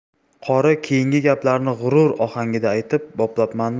qori keyingi gaplarni g'urur ohangida aytib boplapmanmi